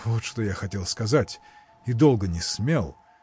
Вот что хотел я сказать — и долго не смел!